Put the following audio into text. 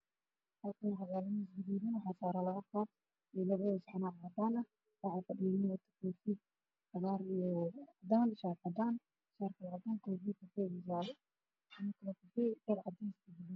Hal kaan waxaa yaalo miis waxaa saaran labo koob